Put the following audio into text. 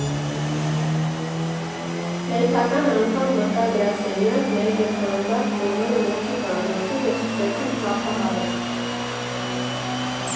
Հերթական անգամ մտա գրասենյակ, մեկ էլ հանկարծ բոլորը ոտքի կանգնեցին ու սկսեցին ծափահարել։